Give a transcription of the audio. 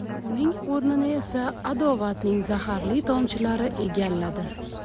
uning o'rnini esa adovatning zaharli tomchilari egalladi